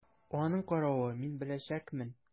Аның каравы, мин беләчәкмен!